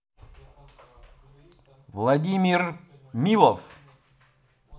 владимир милов